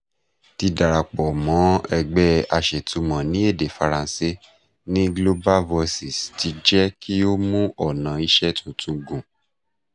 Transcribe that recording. Dīdarapọ̀ mọ́ ẹgbẹ́ aṣètumọ̀ ní èdè Faransé ní Global Voices ti jẹ́ kí ó mú ọ̀nà ìṣe tuntun gùn.